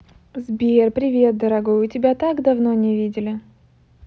сбер привет дорогой у тебя так давно не видели